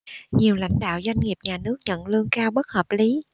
nhiều lãnh đạo doanh nghiệp nhà nước nhận lương cao bất hợp lý